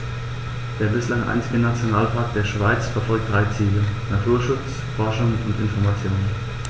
Der bislang einzige Nationalpark der Schweiz verfolgt drei Ziele: Naturschutz, Forschung und Information.